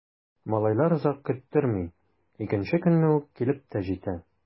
Малайлар озак көттерми— икенче көнне үк килеп тә җитә.